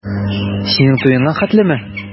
Синең туеңа хәтлеме?